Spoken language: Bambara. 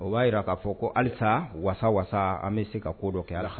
O b'a yira k'a fɔ ko halisaa wasa-wasa an bɛ se ka ko dɔ kɛ a la